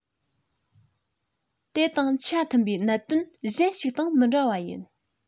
དེ དང ཆ མཐུན པའི གནད དོན གཞན ཞིག དང མི འདྲ བ ཡིན